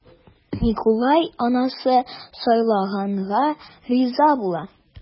Микулай анасы сайлаганга риза була.